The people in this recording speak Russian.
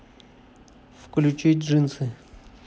включить джинсы